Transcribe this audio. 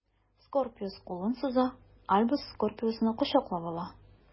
Скорпиус кулын суза, Альбус Скорпиусны кочаклап ала.